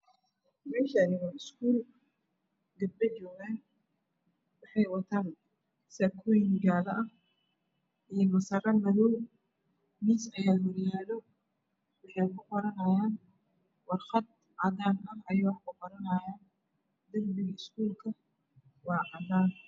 Meeshani wa iskuul gabdho joogan waxay wataan saakooyin jaale ah iyo masaro madaw miis ayaa hor yaalo waxay kuqoranayaan warqad cadaan ah ayay wax kuqoranayaan darbiga iskuulka waa cadaan